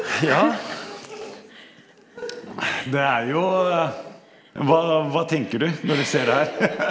ja det er jo hva hva tenker du når du ser det her?